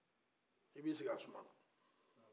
i bɛ i sigi a suma kɔrɔ